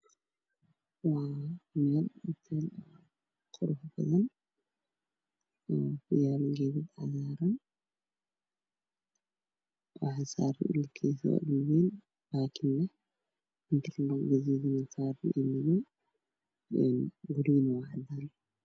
Waa guri dabaq waa qurux badan waxaa iiga muuqda kuraas iyo miisaas oo ku fadhiyaan dad iyo cos cagaaran oo